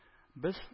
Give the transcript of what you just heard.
Без